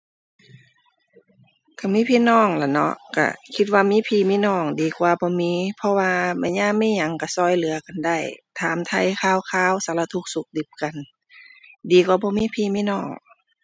ก็มีพี่น้องละเนาะ ก็คิดว่ามีพี่มีน้อง ดีกว่าบ่มี เพราะว่าเมื่อยามมีหยังก็ก็เหลือกันได้ ถามไถ่ข่าวคราว สารทุกข์สุกดิบกัน ดีกว่าบ่มีพี่มีน้อง